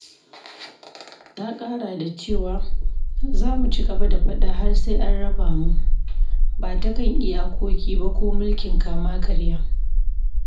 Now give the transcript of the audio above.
Ta ƙara da cewa: '' Za mu ci gaba da faɗa har sai an raba mu, ba ta kan iyakoki ba ko mulkin kama-karya.